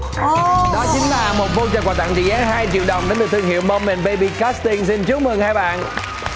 đó chính là một câu chờ quà tặng trị giá hai triệu đồng đến thương hiệu mo mần bây bi cát tinh xin chúc mừng hai bạn